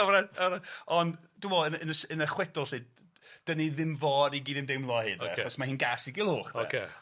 ond dwi me'wl yn yn y s- yn y chwedl 'lly 'dan ni ddim fod i gydymdeimlo â hi de... Ocê. ...achos ma' hi'n gas i Gulhwch de. Ocê.